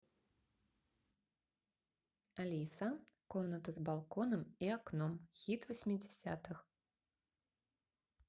алиса комната с балконом и окном хит восьмидесятых